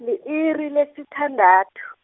li-iri lesithandathu.